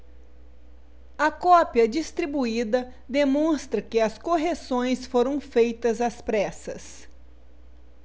a cópia distribuída demonstra que as correções foram feitas às pressas